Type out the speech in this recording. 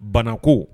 Banako